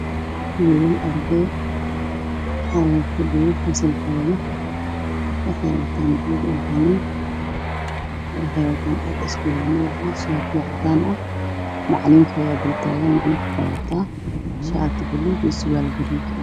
Will arday e fadhiyo fasalkoda waxey wataan buug iyo qalin waxey wataan dhar school shati cadan ah maclimintoda kortagan macliminta waxey wataan shati cadan ah sarwal baluug ah